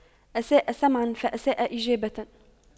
أساء سمعاً فأساء إجابة